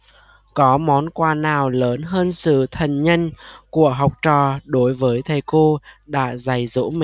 có món quà nào lớn hơn sự thành nhân của học trò đối với thầy cô đã dạy dỗ mình